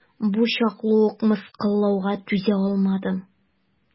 Бу чаклы ук мыскыллауга түзалмадым.